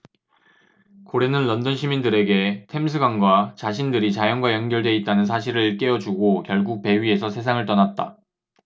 고래는 런던 시민들에게 템스강과 자신들이 자연과 연결돼 있다는 사실을 일깨워주고 결국 배 위에서 세상을 떠났다